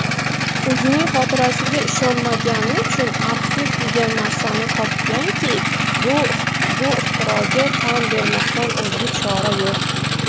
o'zining xotirasiga ishonmagani uchun arxiv degan narsani topganki bu ixtiroga tan bermoqdan o'zga chora yo'q